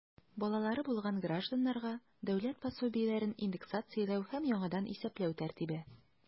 Балалары булган гражданнарга дәүләт пособиеләрен индексацияләү һәм яңадан исәпләү тәртибе.